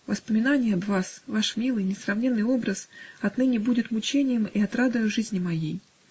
воспоминание об вас, ваш милый, несравненный образ отныне будет мучением и отрадою жизни моей